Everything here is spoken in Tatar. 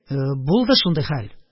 Булды шундый хәл...